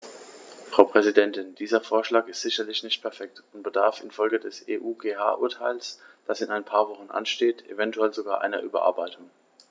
Frau Präsidentin, dieser Vorschlag ist sicherlich nicht perfekt und bedarf in Folge des EuGH-Urteils, das in ein paar Wochen ansteht, eventuell sogar einer Überarbeitung.